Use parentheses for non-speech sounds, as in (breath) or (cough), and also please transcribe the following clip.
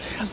(hesitation) (breath)